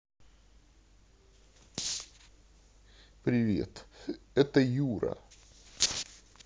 привет это юра